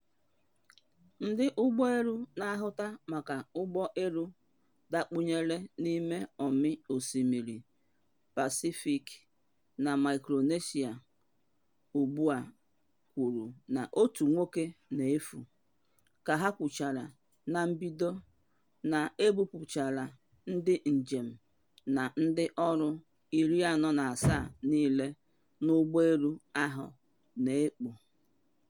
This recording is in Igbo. Ndị ụgbọ elu na ahụta maka ụgbọ elu dakpunyere n’ime ọmị osimiri Pacific na Micronesia ugbu a kwuru na otu nwoke na efu, ka ha kwuchara na mbido na ebupuchaala ndị njem na ndị ọrụ 47 niile n’ụgbọ elu ahụ na ekpu.